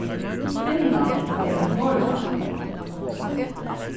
finnland er eitt norðurland